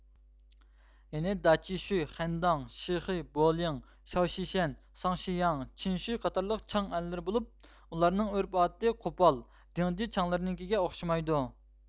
يەنە داچشۇي خەنداڭ شىخې بولىڭ شياۋششەن ساڭشياڭ چىنشۇي قاتارلىق چاڭ ئەللىرى بولۇپ ئۇلارنىڭ ئۆرپ ئادىتى قوپال دېڭجى چاڭلىرىنىڭكىگە ئوخشىمايدۇ